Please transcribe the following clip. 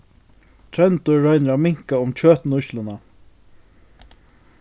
tróndur roynir at minka um kjøtnýtsluna